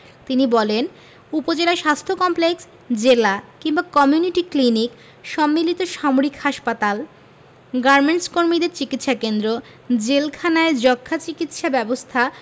তিনি বলেন উপজেলা স্বাস্থ্য কমপ্লেক্স জেলা কিংবা কমিউনিটি ক্লিনিক সম্মিলিত সামরিক হাসপাতাল গার্মেন্টকর্মীদের চিকিৎসাকেন্দ্র জেলখানায় যক্ষ্মার চিকিৎসা ব্যবস্থা